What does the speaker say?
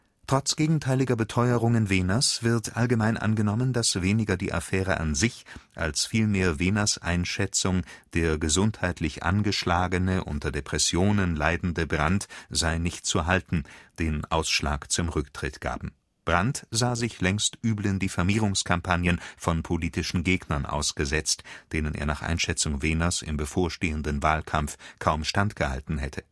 Trotz gegenteiliger Beteuerungen Wehners wird allgemein angenommen, dass weniger die Affäre an sich, als vielmehr Wehners Einschätzung, der gesundheitlich angeschlagene, unter Depressionen leidende Brandt sei nicht zu halten, den Ausschlag zum Rücktritt gaben. Brandt sah sich längst üblen Diffamierungskampagnen von politischen Gegnern ausgesetzt, denen er nach Einschätzung Wehners im bevorstehenden Wahlkampf kaum standgehalten hätte